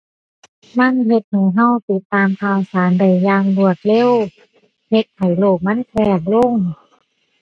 มันเฮ็ดให้เราติดตามข่าวสารได้อย่างรวดเร็ว เฮ็ดให้โลกมันแคบลง